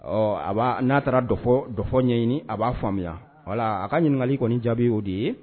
Ɔ a n'a taara dɔfɔ dɔfɔ ɲɛɲini a b'a faamuya wala a ka ɲininkakali kɔni jaabi ye o de ye